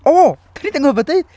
O! Dan ni 'di anghofio deud!